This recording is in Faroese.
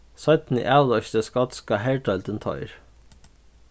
seinni avloysti skotska herdeildin teir